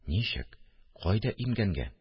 – ничек, кайда имгәнгән